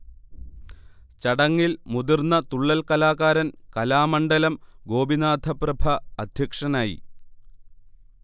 ചടങ്ങിൽ മുതിർന്ന തുള്ളൽ കലാകാരൻ കലാമണ്ഡലം ഗോപിനാഥപ്രഭ അധ്യക്ഷനായി